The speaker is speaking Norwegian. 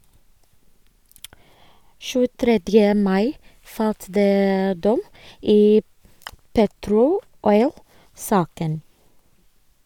23. mai falt det dom i Petro Oil-saken.